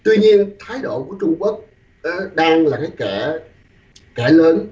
tuy nhiên thái độ của trung quốc á đang là cái kẻ kẻ lớn